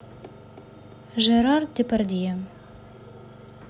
жерар депардье